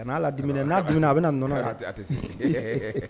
Kana ladimi dɛ. N'a dimi na, a bɛna ni nɔnɔ ye dɛ. A tɛ se. .